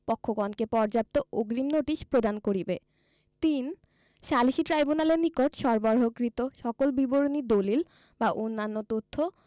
পক্ষগণকে পর্যাপ্ত অগ্রিম নোটিশ প্রদান করিবে ৩ সালিসী ট্রাইব্যুনালের নিকট সরবরাহকৃত সকল বিবরণী দলিল বা অন্যান্য তথ্য